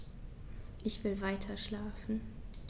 Ich will weiterschlafen.